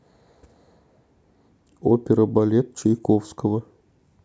опера балет чайковского